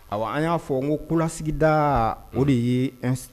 Aw an y'a fɔ n ko kulasigida o de ye